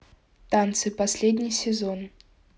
танцы последний сезон